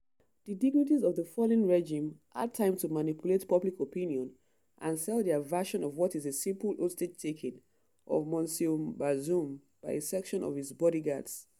The dignitaries of the fallen regime had time to manipulate public opinion and sell their version of what is a simple hostage-taking of Monsieur Bazoum by a section of his bodyguards.